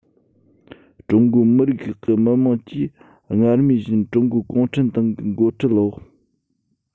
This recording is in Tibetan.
ཀྲུང གོའི མི རིགས ཁག གི མི དམངས ཀྱིས སྔར མུས བཞིན ཀྲུང གོའི གུང ཁྲན ཏང གི འགོ ཁྲིད འོག